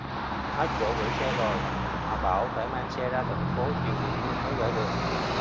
hết chỗ gửi xe rồi họ bảo phải mang xe ra tận phố triệu việt vương mới gửi được